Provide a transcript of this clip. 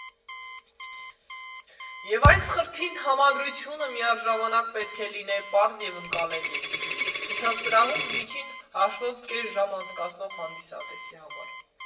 Եվ այս խրթին համադրությունը միաժամանակ պետք է լիներ պարզ և ընկալելի՝ ցուցասրահում միջին հաշվով կես ժամ անցկացնող հանդիսատեսի համար։